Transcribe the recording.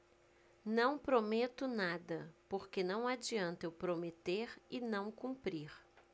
não prometo nada porque não adianta eu prometer e não cumprir